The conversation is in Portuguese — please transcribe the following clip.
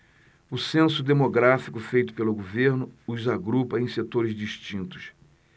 o censo demográfico feito pelo governo os agrupa em setores distintos